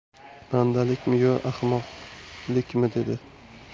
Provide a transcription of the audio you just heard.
bandalikmi yo ahmoqlikmi dedi